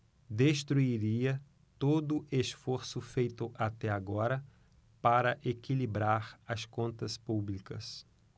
destruiria todo esforço feito até agora para equilibrar as contas públicas